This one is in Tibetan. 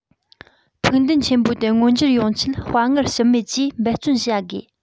ཕུགས འདུན ཆེན པོ དེ མངོན འགྱུར ཡོང ཆེད དཔའ ངར ཞུམ མེད ཀྱིས འབད བརྩོན བྱ དགོས